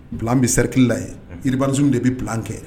Plan bɛ cercle la in, unhun urbanisme de bɛ plan. bde bɛ bila kɛ.